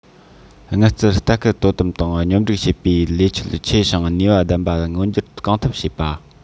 དངུལ རྩར ལྟ སྐུལ དོ དམ དང སྙོམས སྒྲིག བྱེད པའི ལས ཆོད ཆེ ཞིང ནུས པ ལྡན པ མངོན འགྱུར གང ཐུབ བྱེད པ